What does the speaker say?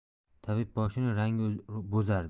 tabibboshining rangi bo'zardi